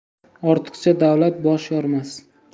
ortiqcha davlat bosh yormas